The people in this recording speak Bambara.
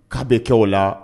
K'a bɛ kɛ o la